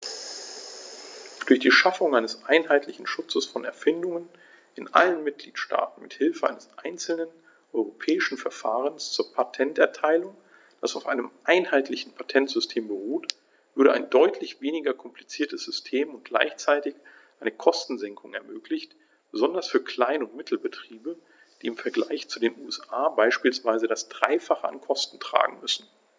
Durch die Schaffung eines einheitlichen Schutzes von Erfindungen in allen Mitgliedstaaten mit Hilfe eines einzelnen europäischen Verfahrens zur Patenterteilung, das auf einem einheitlichen Patentsystem beruht, würde ein deutlich weniger kompliziertes System und gleichzeitig eine Kostensenkung ermöglicht, besonders für Klein- und Mittelbetriebe, die im Vergleich zu den USA beispielsweise das dreifache an Kosten tragen müssen.